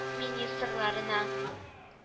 Министрларына